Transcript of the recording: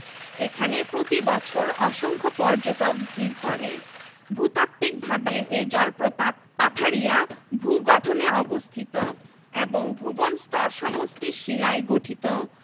এখানে প্রতিবছর অসংখ্য পর্যটক ভিড় করে ভূতাত্ত্বিকভাবে এ জলপ্রপাত পাথারিয়া ভূগঠনে অবস্থিত এবং ভূবন স্তরসমষ্টির শিলায় গঠিত